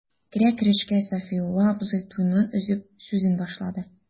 Керә-керешкә Сафиулла абзый, туйны өзеп, сүзен башлады.